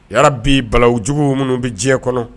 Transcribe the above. Yarabi balawu juguw munun bi diɲɛ kɔnɔ